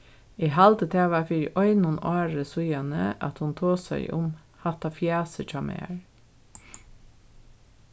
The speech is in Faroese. eg haldi tað var fyri einum ári síðan at hon tosaði um hatta fjasið hjá mær